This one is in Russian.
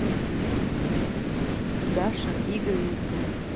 даша игры ютуб